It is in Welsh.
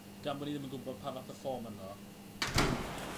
Gan bo' ni ddim yn gwbo pa fath y form arno yw